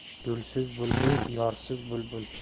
gulsiz bulbul yorsiz bulbul